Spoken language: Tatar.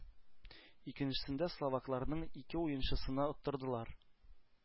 Икенчесендә словакларның ике уенчысына оттырдылар.